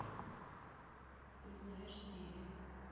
ты знаешь сири